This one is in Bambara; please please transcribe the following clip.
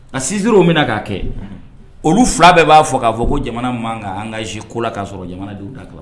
A sinsin o minna k'a kɛ, olu 2 bɛɛ b'a fɛ k'a fɔ ko jamana man kan ka engagé ko la k'a sɔrɔ jamana denw t'a kalama